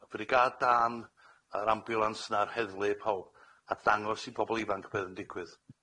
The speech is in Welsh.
Y frigad dân, yr ambiwlans 'na, yr heddlu, pawb, a ddangos i bobol ifanc be' o'dd yn ddigwydd.